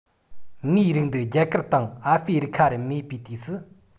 མིའི རིགས འདི རྒྱ གར དང ཨ ཧྥེ རི ཁ རུ མེད པའི དུས སུ